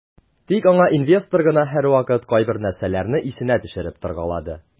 Тик аңа инвестор гына һәрвакыт кайбер нәрсәләрне исенә төшереп торгалады.